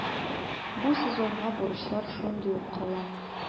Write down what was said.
Бу сезонга бурычлар шундый ук кала.